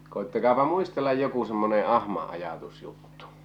koettakaapa muistella joku semmoinen ahmanajatusjuttu